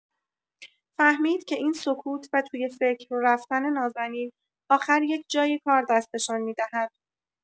فهمید که این سکوت و توی فکر رفتن نازنین، آخر یک‌جایی کار دستشان می‌دهد.